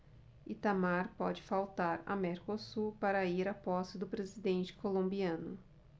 itamar pode faltar a mercosul para ir à posse do presidente colombiano